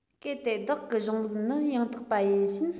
གལ ཏེ བདག གི གཞུང ལུགས ནི ཡང དག པ ཡིན ཕྱིན